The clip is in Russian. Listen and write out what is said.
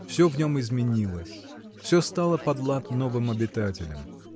Все в нем изменилось, все стало под лад новым обитателям.